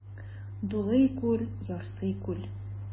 Дулый күл, ярсый күл.